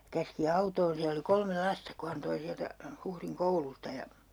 käski autoon siellä oli kolme lasta kun hän toi sieltä Huhdin koulusta ja